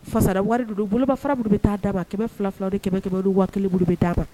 Fasara waridu boloba farauru bɛ ta daba kɛmɛ fila fila de kɛmɛ kɛmɛru waa kelen bolo bɛ da ma